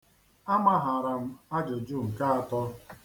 Amahara m ajụjụ nke atọ.